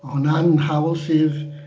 Ma' hwnna'n hawl sydd...